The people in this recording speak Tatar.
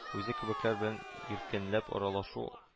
Үзе кебекләр белән иркенләп аралашу